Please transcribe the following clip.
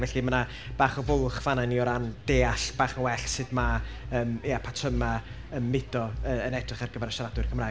Felly, mae 'na bach o fwlch fan'na i ni o ran deall bach yn well sut ma' yym ia patrymau yy mudo yy yn edrych ar gyfer y siaradwyr Cymraeg.